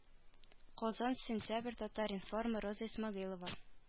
Казан сентябрь татар-информ роза исмәгыйлова